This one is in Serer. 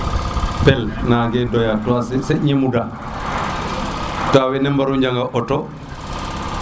pel nange doya te seɗ ne muda to wene mbara njaga auto